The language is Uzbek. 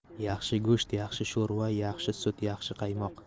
yaxshi go'sht yaxshi sho'rva yaxshi sut yaxshi qaymoq